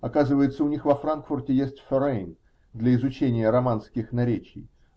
Оказывается, у них во Франкфурте есть ферейн для изучения романских наречий